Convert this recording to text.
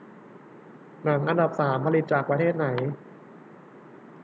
หนังอันดับสามผลิตจากประเทศไหน